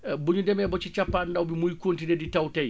buñu demee ba ci cappaandaw bi muy continuer di taw tay